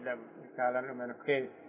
ɗi leeɓa ɓe kalana ɗumen no feewi